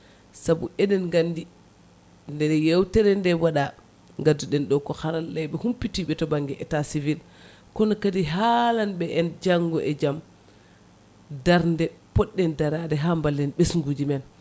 saabu eɗen gandi de yewtere nde waɗa ganduɗen ko haralleɓe humpitiɓe to banggue état civil kono kadi haalanɓe en janggo e jaam darde poɗɗen darade ha ballen ɓesguji men